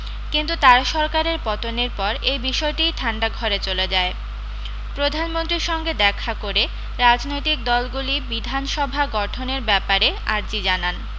কিন্তু তার সরকারের পতনের পর এই বিষয়টিই ঠান্ডা ঘরে চলে যায় প্রধানমন্ত্রীর সঙ্গে দেখা করে রাজনৈতিক দলগুলি বিধানসভা গঠনের ব্যাপারে আর্জি জানান